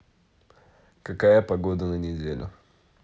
какая погода на неделю